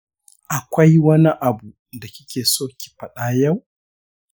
akwai wani abu da kikeso ki fada yau?